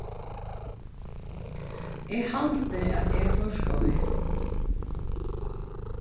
eg haldi at eg fór skeiv